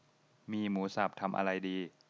มีหมูสับทำอะไรดี